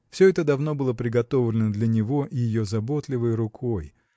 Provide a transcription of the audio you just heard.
Все это давно было приготовлено для него ее заботливой рукой.